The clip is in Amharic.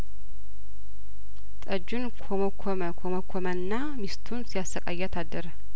ጠጁን ኰመኰመ ኰመኰመና ሚስቱን ሲያሰቃያት አደረ